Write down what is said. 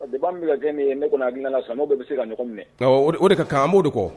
A de b' min bɛ ka kɛ nin ye ne kɔni g na la sa bɛɛ bɛ se ka ɲɔgɔn minɛ o de ka kan b' de kɔ